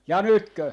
ja nytkö